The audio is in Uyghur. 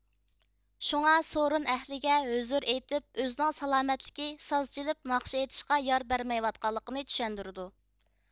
شۇڭا سورۇن ئەھلىگە ھۆزۈر ئېيتىپ ئۆزىنىڭ سالامەتلىكى ساز چېلىپ ناخشا ئېيتىشقا يار بەرمەيۋاتقانلىقىنى چۈشەندۈرىدۇ